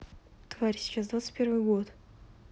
тварь сейчас двадцать первый год